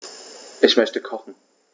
Ich möchte kochen.